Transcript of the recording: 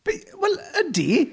Be? Wel, ydy.